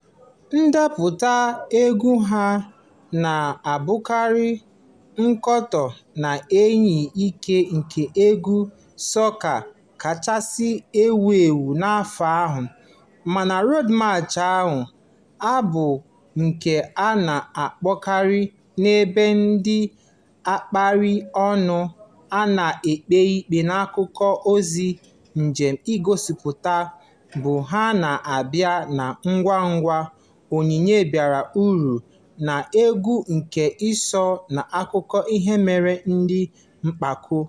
Ndepụta egwu ha na-abụkarị ngwakọta na-enye ike nke egwu sọka kachasị ewu ewu n'afọ ahụ, mana Road March ahụ — abụ nke a na-akpọkarị n'ebe ndị a kapịrị ọnụ a na-ekpe ikpe n'akụkụ ụzọ njem ngosipụta — bụ aha na-abịa na ngwugwu onyinye bara uru na ùgwù nke iso n'akụkọ ihe mere dị mpako.